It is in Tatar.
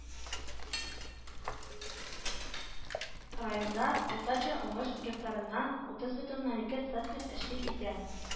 Районда уртача уңыш гектарыннан утыз бөтен уннан ике центнер тәшкил итә